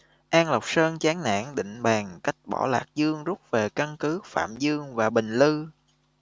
an lộc sơn chán nản định bàn cách bỏ lạc dương rút về căn cứ phạm dương và bình lư